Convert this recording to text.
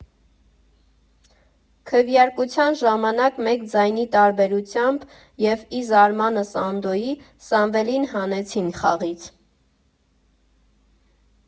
Քվեարկության ժամանակ մեկ ձայնի տարբերությամբ և ի զարմանս Անդոյի, Սամվելին հանեցին խաղից։